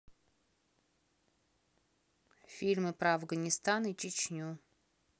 фильмы про афганистан и чечню